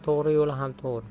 to'g'ri yo'li ham to'g'ri